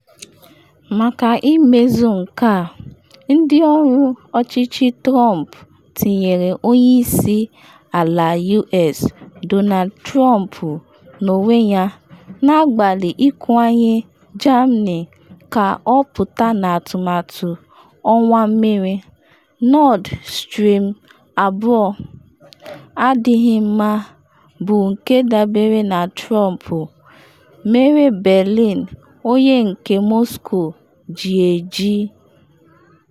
Maka imezu nke a, ndị ọrụ ọchịchị Trump tinyere Onye Isi Ala US Donald Trump n’onwe ya, na-agbalị ịkwanye Germany ka ọ pụta na atụmatụ ọwa mmiri Nord Stream 2 “adịghị mma”, bụ nke dabere na Trump, mere Berlin “onye nke Moscow ji eji.